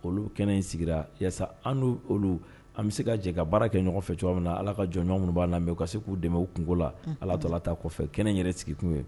Olu kɛnɛ in sigira yasa an ni olu an bɛ se ka jɛ ka baara kɛ ɲɔgɔn fɛ cogo min na allah ka jɔn ɲumanw b'a lamɛ u ka se k'u dɛmɛ u kungo la allah taala ta kɔfɛ kɛnɛ yɛrɛ sigi kun ye o ye.